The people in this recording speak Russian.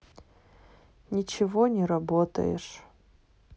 ничего не работаешь